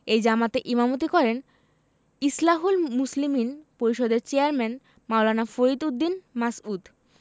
এই জামাতে ইমামতি করেন ইসলাহুল মুসলিমিন পরিষদের চেয়ারম্যান মাওলানা ফরিদ উদ্দীন মাসউদ